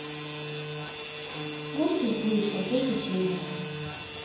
гости из будущего третья серия